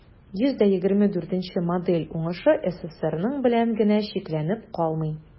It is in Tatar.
124 нче модель уңышы ссср белән генә чикләнеп калмый.